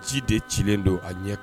Ci de cilen don a ɲɛ